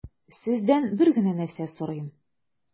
Сездән бер генә нәрсә сорыйм: